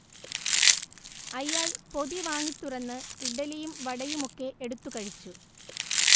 അയാൾ പൊതി വാങ്ങി തുറന്ന് ഇഡ്ഢലിയും വടയുമൊക്കെ എടുത്തുകഴിച്ചു